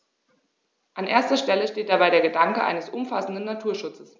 An erster Stelle steht dabei der Gedanke eines umfassenden Naturschutzes.